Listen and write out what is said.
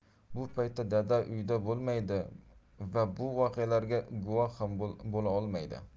bu paytda dada uyda bo'lmaydi va bu voqealarga guvoh ham bo'la olmaydi